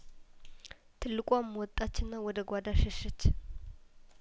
ትልቋም ወጣችና ወደ ጓዳ ሸሸች